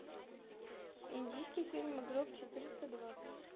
индийский фильм игрок четыреста двадцать